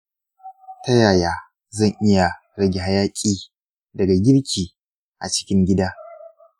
ta yaya zan iya rage hayaƙi daga girki a cikin gida?